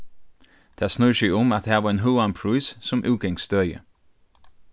tað snýr seg um at hava ein høgan prís sum útgangsstøði